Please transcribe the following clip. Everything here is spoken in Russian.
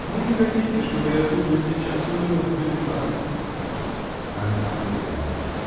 Вы не хотите, чтобы я тут же, сейчас, умерла перед вами? Санин потерялся.